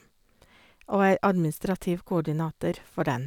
Og er administrativ koordinator for den.